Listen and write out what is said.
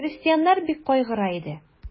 Крестьяннар бик кайгыра иде.